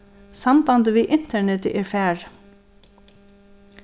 sambandið við internetið er farið